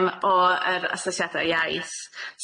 O yr asesiada iaith